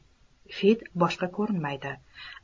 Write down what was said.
fid boshqa ko'rinmaydi